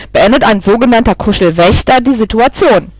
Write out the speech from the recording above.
beendet ein sogenannter " Kuschelwächter " die Situation